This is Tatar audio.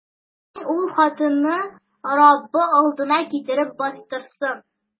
Рухани ул хатынны Раббы алдына китереп бастырсын.